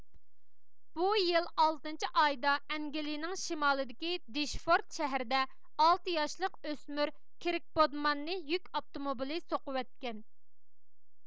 بۇ يىل ئالتىنچى ئايدا ئەنگىلىيىنىڭ شىمالىدىكى دىشفورت شەھىرىدە ئالتە ياشلىق ئۆسمۈر كىركبودماننى يۈك ئاپتوموبىلى سوقۇۋەتكەن